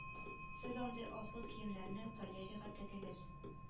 Сез андый асыл киемнәрне валерийга тегегез